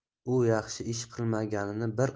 u yaxshi ish qilmaganini bir